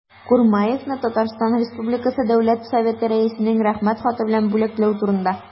И.Х. Курмаевны Татарстан республикасы дәүләт советы рәисенең рәхмәт хаты белән бүләкләү турында